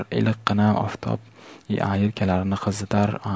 iliqqina oftob yelkalarini qizitar